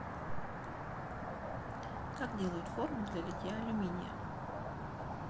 как делают форму для литья алюминия